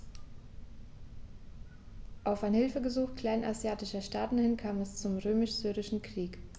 Auf ein Hilfegesuch kleinasiatischer Staaten hin kam es zum Römisch-Syrischen Krieg.